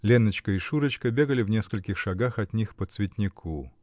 Леночка и Шурочка бегали в нескольких шагах от них по цветнику.